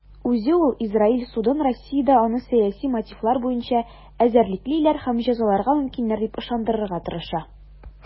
Үзе ул Израиль судын Россиядә аны сәяси мотивлар буенча эзәрлеклиләр һәм җәзаларга мөмкиннәр дип ышандырырга тырыша.